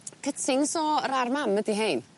cuttings o yr ar' mam ydi 'hein.